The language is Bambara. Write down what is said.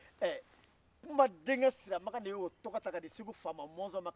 kunba denkɛ siramakan de y'o tɔgɔ ta k'a segu faama mɔnzɔn ma